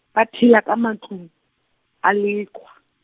ba phela ka matlung, a leqhwa.